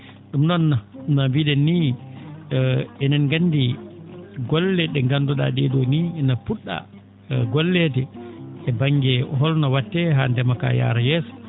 ?um noon no mbii?en nii enen ngandi golle ?e ngandu?aa ?ee ?oo nii ina pu??aa golleede e ba?nge holno wattee haa ndema kaa yaara yeeso